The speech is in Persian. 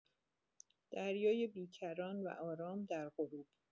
دریای بی‌کران و آرام در غروب